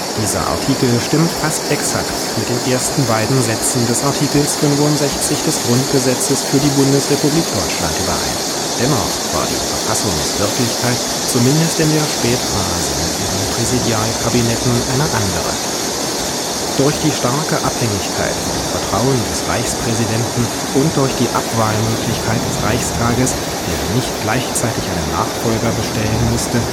Dieser Artikel stimmt fast exakt mit den ersten beiden Sätzen des Artikels 65 des Grundgesetzes für die Bundesrepublik Deutschland überein, dennoch war die Verfassungswirklichkeit zumindest in der Spätphase mit ihren Präsidialkabinetten eine andere. Durch die starke Abhängigkeit vom Vertrauen des Reichspräsidenten und durch die Abwahlmöglichkeit des Reichstages, der nicht gleichzeitig einen Nachfolger bestellen musste